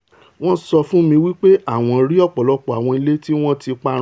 Wọ́n sọ fún mi wí pé àwọn rí ọ̀pọ̀lọpọ̀ àwọn ilé tí wọn ti parun.